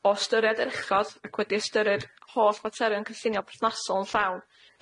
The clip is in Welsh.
O ystyried yr uchod ac wedi ystyried holl faterion cynllunio perthnasol yn llawn,